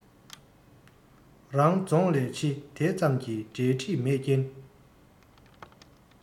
རང རྫོང ལས ཕྱི དེ ཙམ གྱི འབྲེལ འདྲིས མེད རྐྱེན